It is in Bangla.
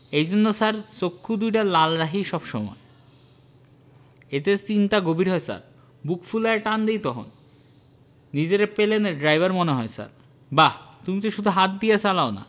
এইজন্য ছার চোক্ষু দুউডা লাল রাখি সব সময় এতে চিন্তা গভীর হয় ছার বুক ফুলায়া টান দেই তহন নিজেরে পেলেনের ড্রাইভার মনে হয় ছার... বাহ তুমি তো শুধু হাত দিয়া চালাও না